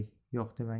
yo'q demang